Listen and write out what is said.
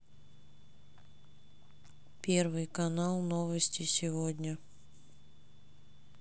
первый канал новости сегодня